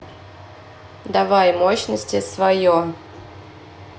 давай мощности свое